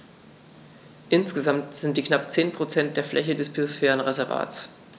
Insgesamt sind dies knapp 10 % der Fläche des Biosphärenreservates.